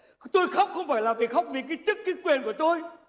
tôi khóc không phải là khóc vì cái chức cái quyền của tôi